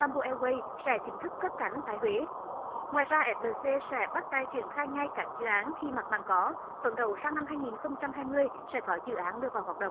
bam bu e quay sẽ chính thức cất cánh tại huế ngoài ra ép lờ xê sẽ bắt tay triển khai ngay cánh dự án khi mặt bằng có phấn đấu sang năm hai nghìn không trăm hai mươi sẽ có dự án đưa vào hoạt động